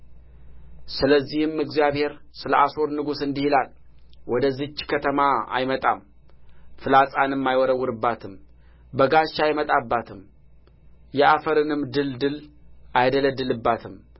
ስለዚህም እግዚአብሔር ስለ አሦር ንጉሥ እንዲህ ይላል ወደዚች ከተማ አይመጣም ፍላጻንም አይወረውርባትም በጋሻም አይመጣባትም የአፈርንም ድልድል አይደለድልባትም